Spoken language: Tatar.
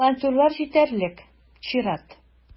Волонтерлар җитәрлек - чират.